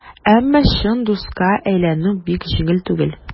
Әмма чын дуска әйләнү бик җиңел түгел.